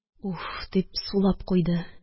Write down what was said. «уф!» дип сулап куйды